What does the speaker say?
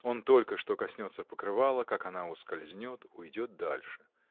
Он только что коснется покрывала, как она ускользнет, уйдет дальше.